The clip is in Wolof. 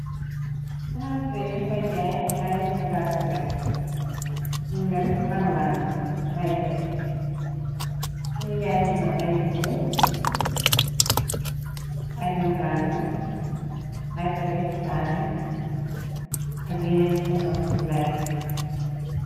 Palaas be ñu fay jaay ay bagaas su lekk, ñun leen ranglanta ci ay dek, yu ngi jaay fufnun ay jumbo, ay mëtaada, ay pati kaane ak yeneeni foson lekk.